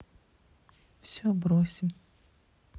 все бросим